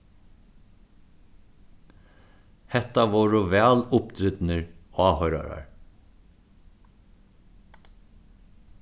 hetta vóru væl uppdrignir áhoyrarar